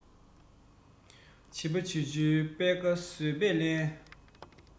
བྱི བ བྱིའུ འཇོལ པད ཁ ཟོས པས ལན